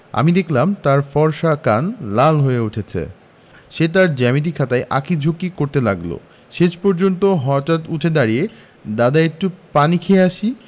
আমি দেখলাম তার ফর্সা কান লাল হয়ে উঠছে সে তার জ্যামিতি খাতায় আঁকি ঝুকি করতে লাগলো শেষ পর্যন্ত হঠাৎ উঠে দাড়িয়ে দাদা একটু পানি খেয়ে আসি